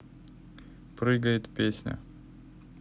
прыгает песня